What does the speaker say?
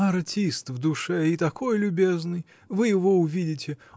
-- Артист в душе, и такой любезный. Вы его увидите.